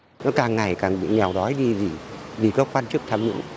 tôi càng ngày càng bị nghèo đói li dị vì các quan chức tham nhũng